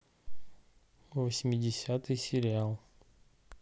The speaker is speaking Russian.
восьмидесятый сериал